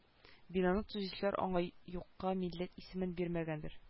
Бинаны төзүчеләр аңа юкка милләт исемен бирмәгәндер